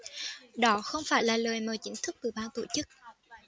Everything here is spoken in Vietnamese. đó không phải là lời mời chính thức từ ban tổ chức